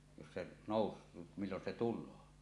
jos se nousee milloin se tulee